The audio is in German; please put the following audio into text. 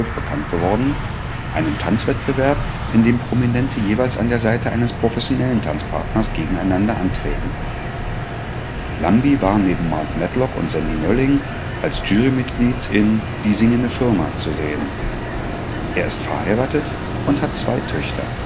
bekannt geworden, einem Tanzwettbewerb, in dem Prominente jeweils an der Seite eines professionellen Tanzpartners gegeneinander antreten. Llambi war neben Mark Medlock und Sandy Mölling als Jurymitglied in Die singende Firma zu sehen. Er ist verheiratet und hat zwei Töchter